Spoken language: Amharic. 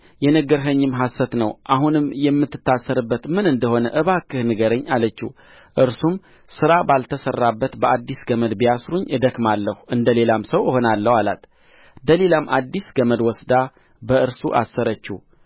የነገርኸኝም ሀሰት ነው አሁንም የምትታሰርበት ምን እንደ ሆነ እባክህ ንገረኝ አለችው እርሱም ሥራ ባልተሠራበት በአዲስ ገመድ ቢያስሩኝ እደክማለሁ እንደ ሌላም ሰው እሆናለሁ አላት ደሊላም አዲስ ገመድ ወስዳ በእርሱ አሰረችው